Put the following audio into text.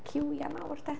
Ciwiau mawr de.